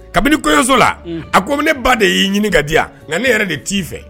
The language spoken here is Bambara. Kabini kɔɲɔyɔso la a ko ne ba de y'i ɲini ka di yan nka ne yɛrɛ de t'i fɛ.